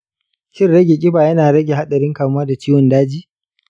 shin rage kiba yana rage haɗarin kamuwa da ciwon daji?